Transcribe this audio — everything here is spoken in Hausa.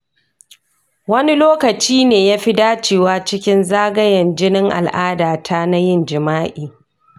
wani lokaci ne yafi dacewa cikin zagayen jinin al’adata na yin jima’i?